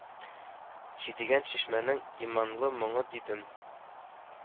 Җидегән чишмәнең иманлы моңы дидем